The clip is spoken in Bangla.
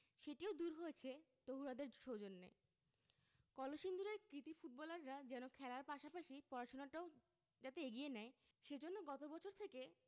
সেটিও দূর হয়েছে তহুরাদের সৌজন্যে কলসিন্দুরের কৃতী ফুটবলাররা যেন খেলার পাশাপাশি পড়াশোনাটাও যাতে এগিয়ে নেয় সে জন্য গত বছর থেকে